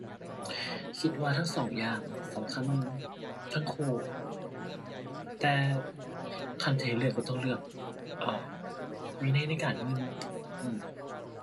คิดว่าทั้งสองอย่างสำคัญทั้งคู่ แต่คันสิให้เลือกก็ต้องเลือก อ่า วินัยในการเงิน อือ